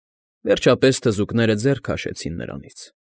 Վերջապես թզուկները ձեռ քաշեցին նրանից։